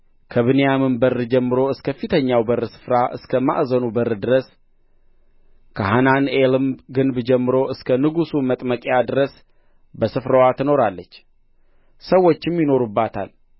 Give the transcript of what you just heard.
ከብንያምም በር ጀምሮ እስከ ፊተኛው በር ስፍራ እስከ ማዕዘኑ በር ድረስ ከሐናንኤልም ግንብ ጀምሮ እስከ ንጉሡ መጥመቂያ ድረስ በስፍራዋ ትኖራለች ሰዎችም ይኖሩባታል